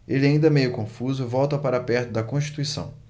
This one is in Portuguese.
ele ainda meio confuso volta para perto de constituição